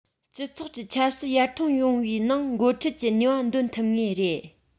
སྤྱི ཚོགས ཀྱི ཆབ སྲིད ཡར ཐོན ཡོང བའི ནང འགོ ཁྲིད ཀྱི ནུས པ འདོན ཐུབ ངེས རེད